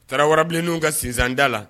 Tarawele warabilenw ka sinsanda la